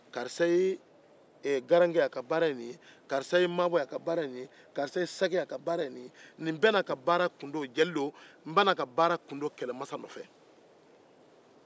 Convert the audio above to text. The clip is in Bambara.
karisa ye numu ye a ka baara ye nin ye karisa ye garanke ye a ka baara ye nin ye karisa ye sakɛ ye a ka baara ye nin ye nin bɛɛ n'a ka baara tun don kɛlɛmasa nɔfɛ